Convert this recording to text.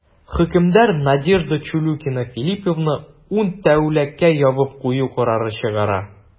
Хөкемдар Надежда Чулюкина Филлиповны ун тәүлеккә ябып кую карары чыгара.